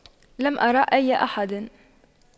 لم أرى أي أحد